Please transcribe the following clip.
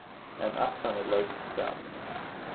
ein ætlan er løgd fram